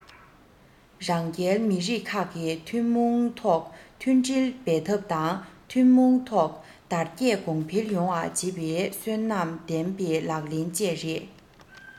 རང རྒྱལ མི རིགས ཁག གིས ཐུན མོང ཐོག མཐུན སྒྲིལ འབད འཐབ དང ཐུན མོང ཐོག དར རྒྱས གོང འཕེལ ཡོང བ བྱེད པའི གསོན ཉམས ལྡན པའི ལག ལེན བཅས རེད